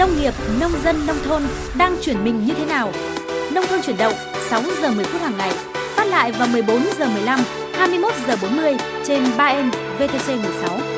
nông nghiệp nông dân nông thôn đang chuyển mình như thế nào nông thôn chuyển động sáu giờ mười phút hằng ngày phát lại vào mười bốn giờ mười lăm hai mươi mốt giờ bốn mươi trên ba em vê tê xê mười sáu